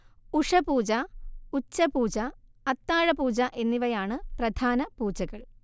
ഉഷഃപൂജ, ഉച്ചപൂജ, അത്താഴപൂജ എന്നിവയാണ് പ്രധാന പൂജകൾ